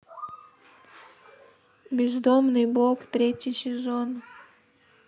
бездомный бог третий сезон